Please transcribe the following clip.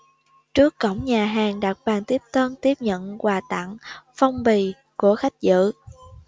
trước cổng nhà hàng đặt bàn tiếp tân tiếp nhận quà tặng phong bì của khách dự